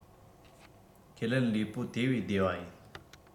ཁས ལེན ལུས པོ དེ བས བདེ བ ཡིན